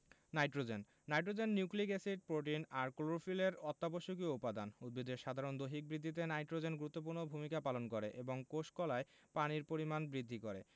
nitrogen nitrogen nucleic acid protein আর ক্লোরোফিলের অত্যাবশ্যকীয় উপাদান উদ্ভিদের সাধারণ দৈহিক বৃদ্ধিতে নাইট্রোজেন গুরুত্বপূর্ণ ভূমিকা পালন করে এবং কোষ কলায় পানির পরিমাণ বৃদ্ধি করে